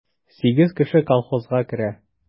Сигез кеше колхозга керә.